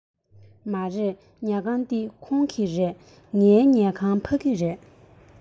མ རེད ཉལ ཁང འདི ཁོང གི རེད ངའི ཉལ ཁང ཕ གི རེད